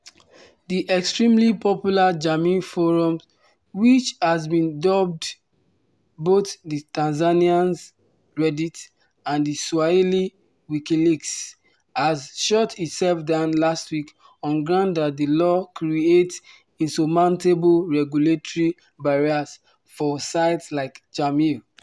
The extremely popular Jamii Forums — which has been dubbed both the “Tanzanian Reddit” and “Swahili Wikileaks” — has shut itself down last week on grounds that the law creates insurmountable regulatory barriers for sites like Jamii.